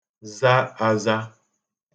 za āzā